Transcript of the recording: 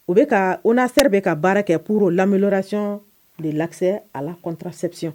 O bɛka ka uuna sera de bɛ ka baara kɛ k lalacɔn de la a kɔntasɛtiy